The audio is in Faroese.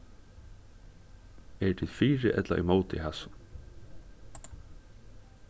eru tit fyri ella ímóti hasum